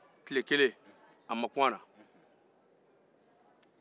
tile kelen a ma kun a la